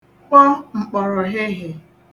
kpọ m̀kpọ̀rọhịhị̀